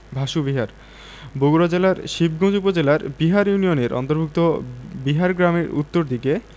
ভাসু বিহার বগুড়া জেলার শিবগঞ্জ উপজেলার বিহার ইউনিয়নের অন্তর্ভুক্ত বিহার গ্রামের উত্তর দিকে